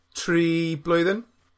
Tri blwyddyn.